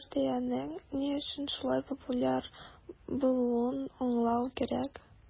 Хартиянең ни өчен шулай популяр булуын аңлау кирәк.